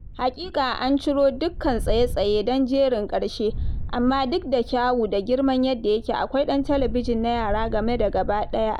Haƙiƙa an ciro dukkan tsaye-tsaye don jerin ƙarshe, amma duk da kyawu da girman yadda yake, akwai ɗan talabijin na yara game da gaba ɗaya abin.